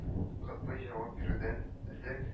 Котбый, җавап бирүдән элек